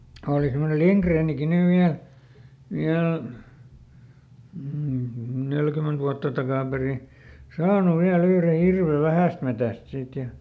oli semmoinen Lindgrenkin nyt vielä vielä neljäkymmentä vuotta takaperin saanut vielä yhden hirven Vähästämetsästä siitä ja